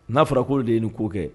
N'a fɔra k'olu de ye nin ko kɛ !